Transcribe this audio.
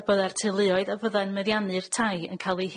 y bydde'r teuluoedd a fydde'n meddiannu'r tai yn ca'l eu